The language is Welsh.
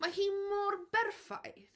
Mae hi mor berffaith.